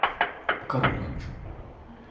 макароны хочу